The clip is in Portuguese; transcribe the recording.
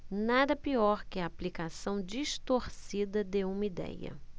nada pior que a aplicação distorcida de uma idéia